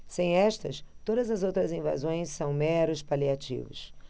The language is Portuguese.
sem estas todas as outras invasões são meros paliativos